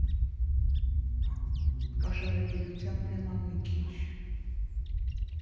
Կաշառակերության թեման մի քիչ…